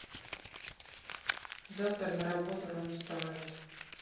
завтра на работу рано вставать